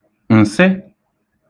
ǹsị